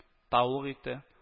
Тавык ите